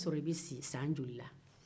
o b'a' sɔrɔ i bɛ si san joli la